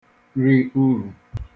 ri urù